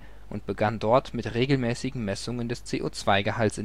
regelmäßigen Messungen des CO2-Gehalts